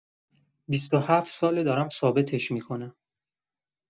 بیست‌وهفت ساله دارم ثابتش می‌کنم.